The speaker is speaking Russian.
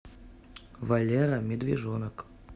валера медвежонок